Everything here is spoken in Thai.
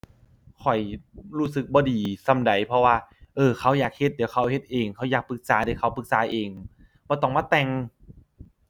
ข้อยรู้สึกบ่ดีส่ำใด เพราะว่า เอ้อ เขาอยากเฮ็ดเดี๋ยวเขาเฮ็ดเอง เขาอยากปรึกษาเดี๋ยวเขาปรึกษาเอง บ่ต้องมาแต่ง